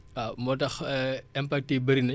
waaw moo tax impacts yi bëri nañ